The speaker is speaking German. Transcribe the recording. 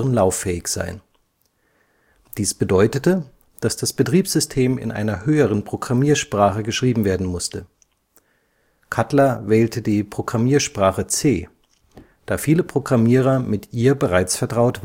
lauffähig sein. Dies bedeutete, dass das Betriebssystem in einer höheren Programmiersprache geschrieben werden musste; Cutler wählte die Programmiersprache C, da viele Programmierer mit ihr bereits vertraut